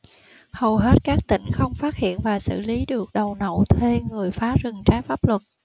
hầu hết các tỉnh không phát hiện và xử lý được đầu nậu thuê người phá rừng trái pháp luật